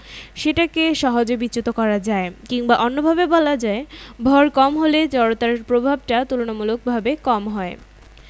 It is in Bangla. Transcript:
৩.১.১ জড়তা